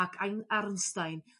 ac Ein- Arnstain